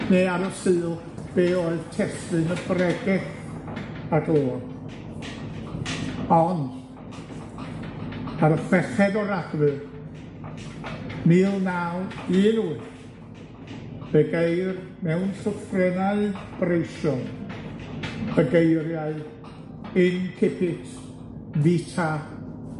neu ar y Sul, be oedd testun y bregeth ag o. Ond, ar y chweched o Ragfyr, mil naw un wyth, fe geir mewn llythrennau breision, y geiriau, un cipit, vita,